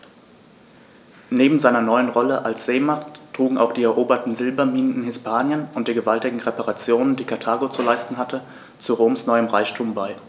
Neben seiner neuen Rolle als Seemacht trugen auch die eroberten Silberminen in Hispanien und die gewaltigen Reparationen, die Karthago zu leisten hatte, zu Roms neuem Reichtum bei.